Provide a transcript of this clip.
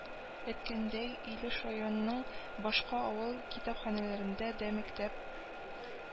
Әйткәндәй, Илеш районының башка авыл китапханәләрендә дә мактап